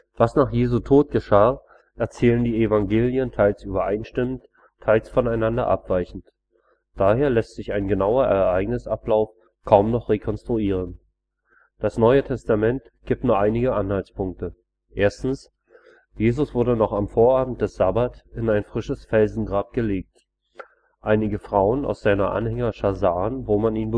Was nach Jesu Tod geschah, erzählen die Evangelien teils übereinstimmend, teils voneinander abweichend. Daher lässt sich ein genauer Ereignisablauf kaum noch rekonstruieren. Das NT gibt nur einige Anhaltspunkte: Jesus wurde noch am Vorabend des Sabbat in ein frisches Felsengrab gelegt. Einige Frauen aus seiner Anhängerschar sahen, wo man ihn